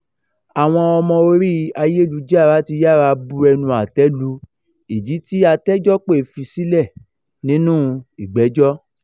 Àwọn ọmọ orí ayélujára ti yára bu ẹnu àtẹ́ lu ìdí tí àtẹ́jọ́pè fi sílẹ̀ nínú ìgbẹ́jọ́.